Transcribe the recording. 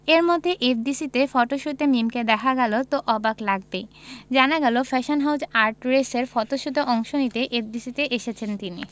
এরমধ্যে এফডিসিতে ফটোশুটে মিমকে দেখা গেল তো অবাক লাগবেই জানা গেল ফ্যাশন হাউজ আর্টরেসের ফটশুটে অংশ নিতেই এফডিসিতে এসেছেন তিনি